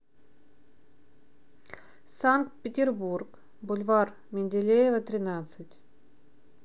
санкт петербург бульвар менделеева тринадцать